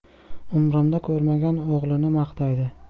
umrimda ko'rmagan o'g'lini maqtaydi